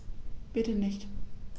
Bitte nicht.